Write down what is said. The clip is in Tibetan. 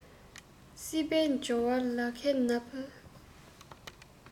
སྲིད པའི འབྱོར བ ལ ཁའི ན བུན